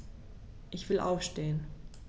Ich will aufstehen.